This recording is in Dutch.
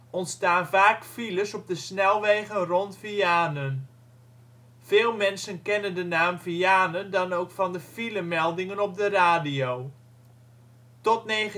ontstaan vaak files op de snelwegen rond Vianen. Veel mensen kennen de naam Vianen dan ook van de filemeldingen op de radio. Tot 1999